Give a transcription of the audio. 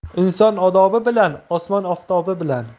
inson odobi bilan osmon oftobi bilan